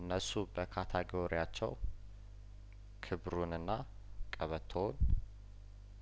እነሱ በካታጐሪያቸው ክብሩንና ቀበቶውን